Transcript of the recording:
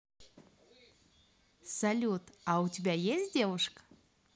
салют а у тебя есть девушка